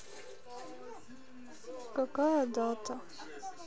какая дата